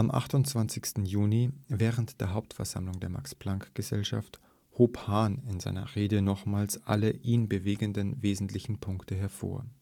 28. Juni, während der Hauptversammlung der Max-Planck-Gesellschaft, hob Hahn in seiner Rede nochmals alle ihn bewegenden wesentlichen Punkte hervor